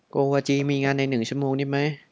โกวาจีมีงานในหนึ่งชั่วโมงนี้ไหม